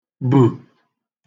bə̀